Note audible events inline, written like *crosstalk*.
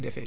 *hesitation* *hesitation*